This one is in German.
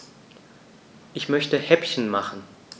Ich möchte Häppchen machen.